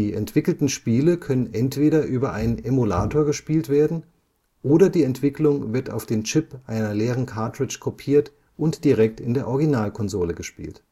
entwickelten Spiele können entweder über einen Emulator gespielt werden, oder die Entwicklung wird auf den Chip eines leeren Cartridges kopiert und direkt in der Originalkonsole gespielt